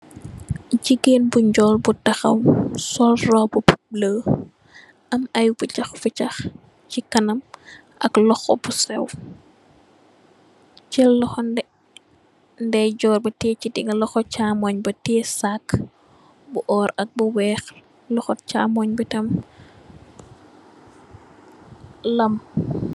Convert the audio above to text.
Jigeen bu njol bu taxaw sol róbbu bu bula am ay picax picax ci kanam ak loxo bu séw. Jél loxo ndaijoram bi tegeh ci Digi jél loxo camooy bi teyeh sag bu oór ak bu wèèx. Loxo camooy bi tam lam.